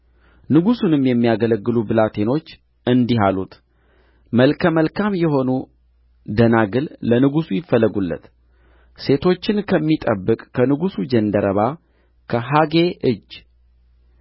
ንጉሡንም የሚያገለግሉ ብላቴኖች እንዲህ አሉት መልከ መልካም የሆኑ ደናግል ለንጉሡ ይፈለጉለት ሴቶችን ከሚጠብቅ ከንጉሡ ጃንደረባ ከሄጌ እጅ